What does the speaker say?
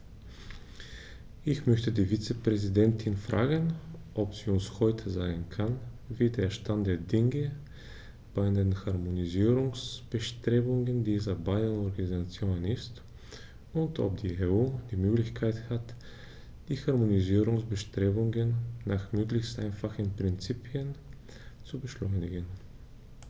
Ich möchte die Vizepräsidentin fragen, ob sie uns heute sagen kann, wie der Stand der Dinge bei den Harmonisierungsbestrebungen dieser beiden Organisationen ist, und ob die EU die Möglichkeit hat, die Harmonisierungsbestrebungen nach möglichst einfachen Prinzipien zu beschleunigen.